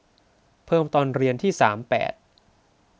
เพิ่มตอนเรียนที่สามแปด